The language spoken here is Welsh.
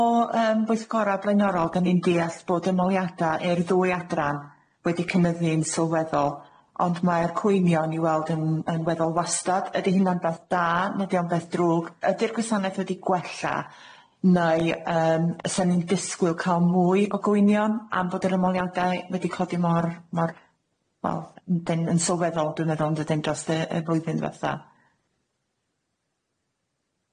O yym bwyllgora' blaenorol gynnyn dias bod ymoliada i'r ddwy adran wedi cymyddu'n sylweddol ond mae'r cwynion i weld yn yn weddol wastad, ydi hynna'n beth da? Nadi o'm beth drwg? Ydi'r gwasanaeth wedi gwella neu yym sa ni'n disgwyl ca'l mwy o gwynion am bod yr ymoliadau wedi codi mor mor wel yn den- yn sylweddol dwi'n meddwl yndyden drost y y flwyddyn dwetha.